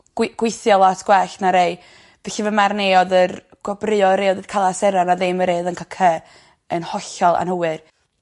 gei- gwithio lot gwell na rei felly fy marn i odd yr gwobrwy rei odd ca'l A seren 'na ddim y rei odd yn ca'l Cy yn hollol anhywir.